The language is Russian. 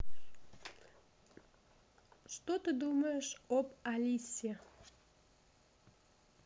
что ты думаешь об алисе